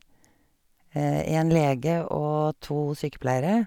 En lege og to sykepleiere.